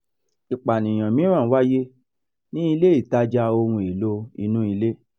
Ìpànìyàn mìíràn wáyé ní ilé ìtaja-ohun-èlò-inú-ilé.